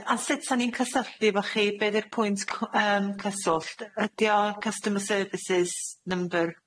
A sut sa ni'n cysylltu efo chi? Be' ydi'r pwynt c- yym cyswllt? Ydi o'r customer services number?